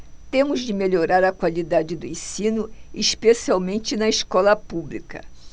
temos de melhorar a qualidade do ensino especialmente na escola pública